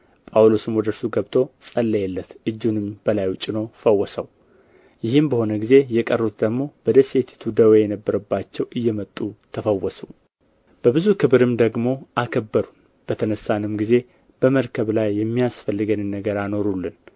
ጳውሎስም ወደ እርሱ ገብቶ ጸለየለት እጁንም በላዩ ጭኖ ፈወሰው ይህም በሆነ ጊዜ የቀሩት ደግሞ በደሴቲቱ ደዌ የነበረባቸው እየመጡ ተፈወሱ በብዙ ክብርም ደግሞ አከበሩን በተነሣንም ጊዜ በመርከብ ላይ የሚያስፈልገንን ነገር አኖሩልን